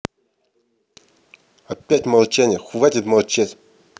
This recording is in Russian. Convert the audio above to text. опять молчите хватит молчать